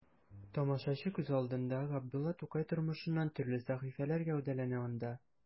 Тамашачы күз алдында Габдулла Тукай тормышыннан төрле сәхифәләр гәүдәләнә анда.